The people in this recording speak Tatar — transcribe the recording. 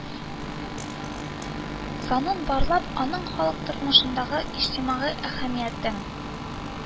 Санын барлап, аның халык тормышындагы иҗтимагый әһәмиятен